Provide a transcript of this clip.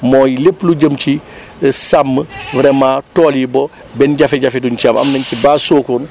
mooy lépp lu jëm ci sàmm vraiment tool yi ba benn jafe-jafe duñ ci am am nañ ci base Sokone